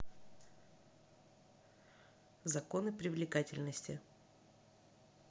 законы привлекательности